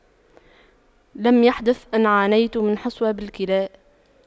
لم يحدث أن عانيت من حصوة بالكلى